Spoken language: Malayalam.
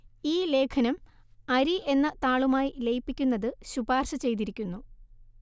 ഈ ലേഖനം അരി എന്ന താളുമായി ലയിപ്പിക്കുന്നത് ശുപാർശ ചെയ്തിരിക്കുന്നു